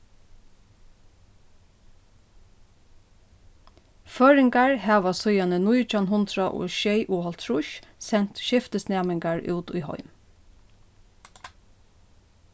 føroyingar hava síðan nítjan hundrað og sjeyoghálvtrýss sent skiftisnæmingar út í heim